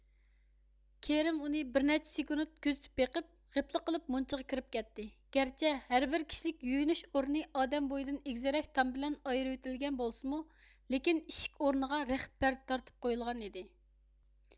كېرىم ئۇنى بىرنەچچە سېكۇنت كۆزىتىپ بېقىپ غىپلا قىلىپ مۇنچىغا كىرىپ كەتتى گەرچە ھەربىر كىشىلىك يۇيۇنۇش ئورنى ئادەم بويىدىن ئېگىزرەك تام بىلەن ئايرىۋىتىلگەن بولسىمۇ لېكىن ئىشىك ئورنىغا رەخت پەردە تارتىپ قويۇلغان ئىدى